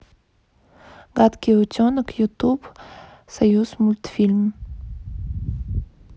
гадкий утенок ютуб союзмультфильм